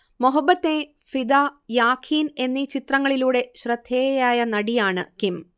മൊഹബത്തെയ്ൻ, ഫിദ, യാഖീൻ എന്നീ ചിത്രങ്ങളിലൂടെ ശ്രദ്ധേയയായ നടിയാണ് കിം